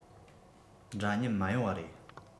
འདྲ མཉམ མ ཡོང བ རེད